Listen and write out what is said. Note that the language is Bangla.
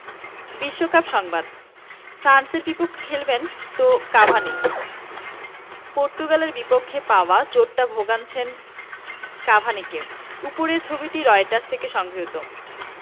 বিশ্বকাপ সংবাদ ফ্রান্সের বিপক্ষে খেলবেন তো কাভানি পর্তুগালের বিপক্ষে পাওয়া চোটটা ভোগাচ্ছে কাভানিকে ওপরের ছবিটি রয়টার্স থেকে সংগৃহীত